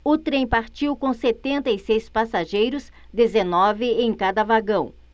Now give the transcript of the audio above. o trem partiu com setenta e seis passageiros dezenove em cada vagão